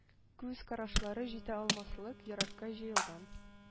Күз карашлары җитә алмаслык еракка җәелгән.